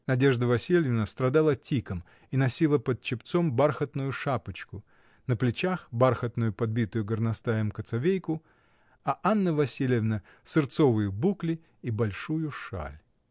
Надежда Васильевна страдала тиком и носила под чепцом бархатную шапочку, на плечах бархатную, подбитую горностаем кацавейку, а Анна Васильевна сырцовые букли и большую шаль.